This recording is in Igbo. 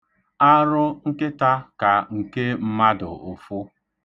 Arụ nkịta ka nke mmadụ ụfụ.